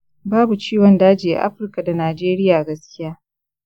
babu ciwon daji a afirka da najeriya gaskiya.